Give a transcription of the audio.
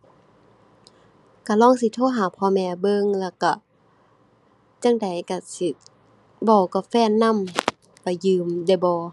ก็ลองสิโทรหาพ่อแม่เบิ่ง แล้วก็จั่งใดก็สิเว้ากับแฟนนำว่ายืมได้บ่